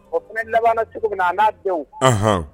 O fana labana cogo min na o n'a denw.